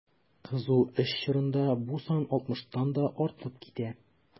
Кызу эш чорында бу сан 60 тан да артып китә.